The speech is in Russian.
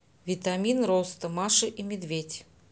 витамин роста маша и медведь